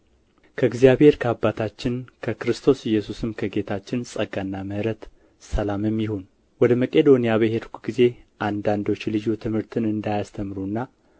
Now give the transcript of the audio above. ከእግዚአብሔር ከአባታችን ከክርስቶስ ኢየሱስም ከጌታችን ጸጋና ምሕረት ሰላምም ይሁን ወደ መቄዶንያ በሄድሁ ጊዜ አንዳንዶች ልዩ ትምህርትን እንዳያስተምሩና